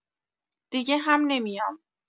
دیگه هم نمیام